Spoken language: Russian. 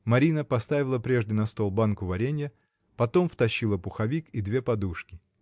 Марина поставила прежде на стол банку варенья, потом втащила пуховик и две подушки.